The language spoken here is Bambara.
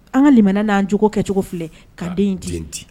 An ka limaniya n'an jogo kɛcogo filɛ ka den in di